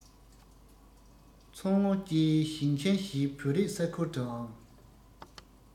མཚོ སྔོན བཅས ཞིང ཆེན བཞིའི བོད རིགས ས ཁུལ དུའང